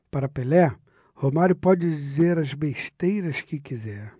para pelé romário pode dizer as besteiras que quiser